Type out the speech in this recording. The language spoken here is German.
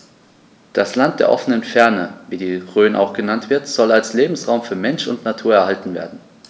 Das „Land der offenen Fernen“, wie die Rhön auch genannt wird, soll als Lebensraum für Mensch und Natur erhalten werden.